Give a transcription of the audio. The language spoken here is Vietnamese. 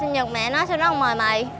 sinh nhật mẹ nó sao nó hông mời mày